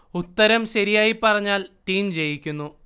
ഉത്തരം ശരിയായി പറഞ്ഞാൽ ടീം ജയിക്കുന്നു